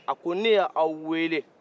a ko ne y'aw weele